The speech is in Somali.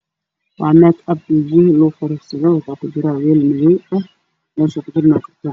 Waa meel oo qaanado ah wax ayaa kujiro midabkoodu yahay cafee